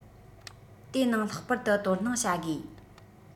དེའི ནང ལྷག པར དུ དོ སྣང བྱ དགོས